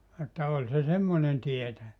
että oli se semmoinen tietäjä